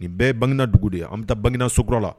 Nin bɛɛ ye bangegina dugu de an bɛ taa banginasokura la